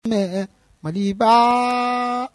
Ɛɛ mali ba